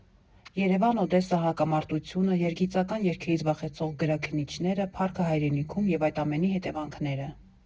Երևան֊Օդեսա հակամարտությունը, երգիծական երգերից վախեցող գրաքննիչները, փառքը հայրենիքում և այդ ամենի հետևանքները.